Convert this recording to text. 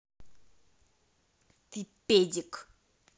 ты педик